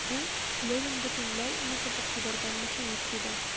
Бу - Левин бөтенләй онытып ук җибәргән машинист иде.